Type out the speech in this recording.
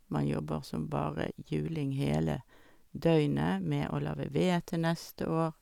Man jobber som bare juling hele døgnet med å lage ved til neste år.